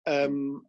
yym